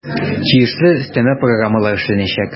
Тиешле өстәмә программалар эшләнәчәк.